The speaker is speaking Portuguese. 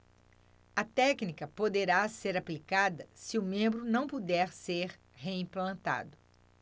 a técnica poderá ser aplicada se o membro não puder ser reimplantado